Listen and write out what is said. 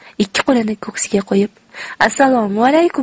ikki qo'lini ko'ksiga qo'yib assalomu alaykum